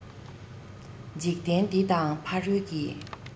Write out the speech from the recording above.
འཇིག རྟེན འདི དང ཕ རོལ གྱི